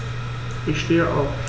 Ich stehe auf.